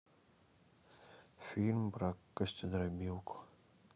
фильм про костедробилку